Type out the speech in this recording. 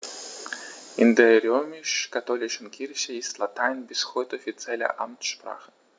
In der römisch-katholischen Kirche ist Latein bis heute offizielle Amtssprache.